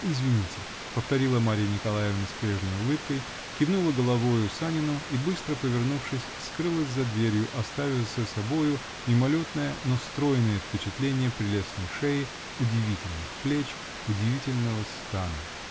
Извините, -- повторила Марья Николаевна с прежней улыбкой, кивнула головою Санину и, быстро повернувшись, скрылась за дверью, оставив за собою мимолетное, но стройное впечатление прелестной шеи, удивительных плеч, удивительного стана.